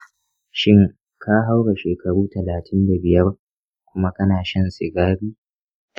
shin ka haura shekaru talatin da biyar kuma kana shan sigari?